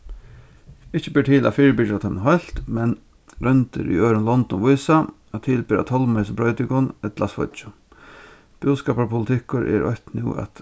ikki ber til at fyribyrgja teimum heilt men royndir í øðrum londum vísa at til ber at tálma hesum broytingum ella sveiggjum búskaparpolitikkur er eitt nú at